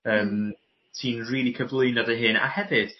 Yym ti'n rili cyflwyno dy hyn a hefyd